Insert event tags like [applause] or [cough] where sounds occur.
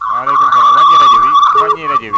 [noise] waaleykum salaam waññil rajo bi waññil rajo bi [noise]